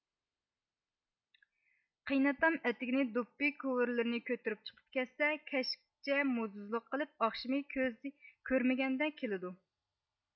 قېيناتام ئەتىگىنى دۇپپى كوۋلىرىنى كۆتۈرۈپ چىقىپ كەتسە كەچكىچە موزدوزلۇق قىلىپ ئاخشىمى كۆزى كۆرمىگەندە كېلىدۇ